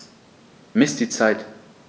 Miss die Zeit.